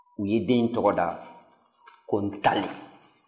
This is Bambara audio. u ye denkɛ in tɔgɔda ko ntalen